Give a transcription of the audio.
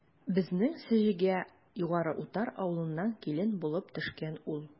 Безнең Сеҗегә Югары Утар авылыннан килен булып төшкән ул.